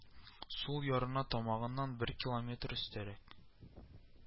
Сул ярына тамагыннан бер километр өстәрәк